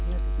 dëgg la